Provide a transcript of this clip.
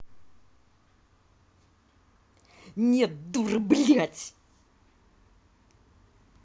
нет дура блядь